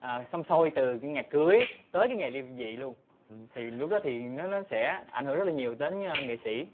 săm soi từ ngày cưới tới ngày ly dị luôn thì lúc đó thì nó sẽ ảnh hưởng rất là nhiều đến nghệ sĩ